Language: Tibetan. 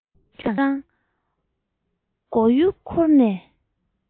ཡིན ཀྱང ཁོ རང མགོ ཡུ འཁོར ནས